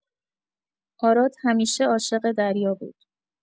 آراد همیشه عاشق دریا بود.